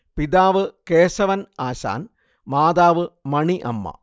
പിതാവ് കേശവൻ ആശാൻ മാതാവ് മണി അമ്മ